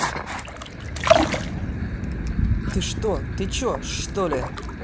ты что ты че что ли